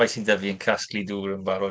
Rhai sy 'da fi yn casglu dŵr yn barod.